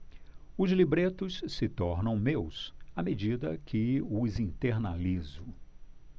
os libretos se tornam meus à medida que os internalizo